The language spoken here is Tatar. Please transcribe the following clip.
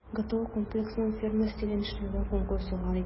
ГТО Комплексының фирма стилен эшләүгә конкурс игълан ителде.